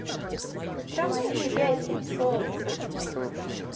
поздравляю тебя с ним солнца